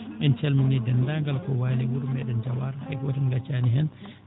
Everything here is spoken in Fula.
en calminii deenndaangal ko waali e wuro meeɗen Dawane hay gooto en ngaccaani heen